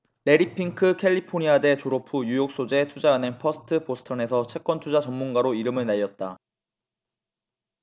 래리 핑크 캘리포니아대 졸업 후 뉴욕 소재 투자은행 퍼스트 보스턴에서 채권투자 전문가로 이름을 날렸다